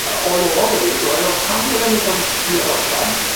yy oedd o'n ddeud oedd o pam ddylen ni ga'l wisgi o'r Alban?